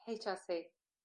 Heitch Are Tee.